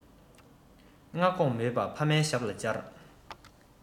སྔ དགོང མེད པ ཕ མའི ཞབས ལ བཅར